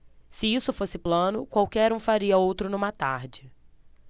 se isso fosse plano qualquer um faria outro numa tarde